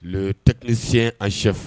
Le technicien en chef